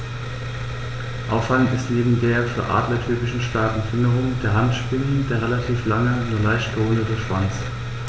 Auffallend ist neben der für Adler typischen starken Fingerung der Handschwingen der relativ lange, nur leicht gerundete Schwanz.